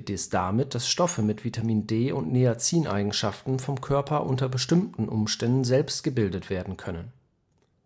dies damit, dass Stoffe mit Vitamin-D - und Niacin-Eigenschaften vom Körper unter bestimmten Umständen selbst gebildet (synthetisiert) werden können.